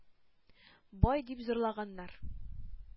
“бай“ дип зурлаганнар.